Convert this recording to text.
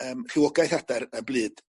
yym rhywogaeth adar yn y blyd.